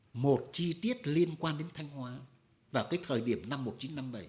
một chi tiết liên quan đến thanh hóa vào cái thời điểm năm một chín năm bẩy